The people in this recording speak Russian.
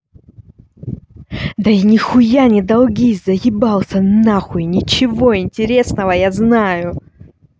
да нихуя не долги заебался нахуй ничего интересного я знаю